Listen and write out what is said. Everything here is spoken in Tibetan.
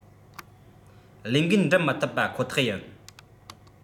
ལས འགན འགྲུབ མི ཐུབ པ ཁོ ཐག ཡིན